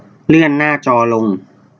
เลื่อนหน้าจอลง